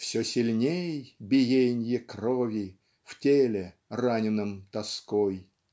Все сильней биенье крови В теле, раненном тоской.